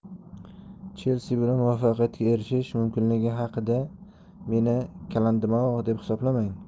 chelsi bilan muvaffaqiyatga erishishi mumkinligi haqidameni kalandimog' deb hisoblamang